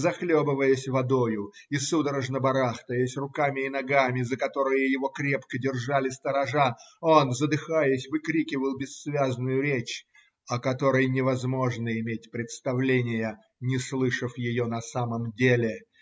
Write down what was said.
Захлебываясь водою и судорожно барахтаясь руками и ногами, за которые его крепко держали сторожа, он, задыхаясь, выкрикивал бессвязную речь, о которой невозможно иметь представления, не слышав ее на самом деле.